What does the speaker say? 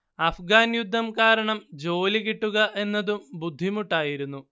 അഫ്ഗാൻ യുദ്ധം കാരണം ജോലി കിട്ടുക എന്നതും ബുദ്ധിമുട്ടായിരുന്നു